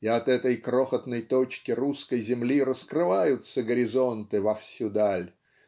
и от этой крохотной точки русской земли раскрываются горизонты во всю даль